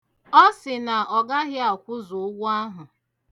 Ọ sị na ọ gaghị akwụzu ụgwọ ahụ.